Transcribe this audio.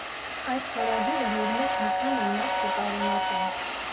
Այս խորագիրն իր մեջ մի քանի իմաստ է պարունակում։